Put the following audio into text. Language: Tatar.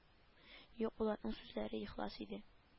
Юк булатның сүзләре ихлас иде